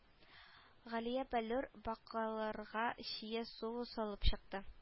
Галия бәллүр бокалларга чия суы салып чыкты